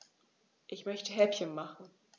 Ich möchte Häppchen machen.